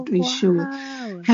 Waw! Dwi'n siŵr.